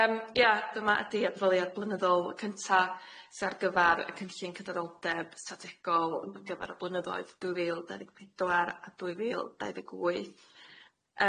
Yym ia dyma ydi adfyliad blynyddol cynta sy ar gyfar y cynllun cydraddoldeb strategol ar gyfar y blynyddoedd dwy fil dau ddeg pedwar a dwy fil dau ddeg wyth.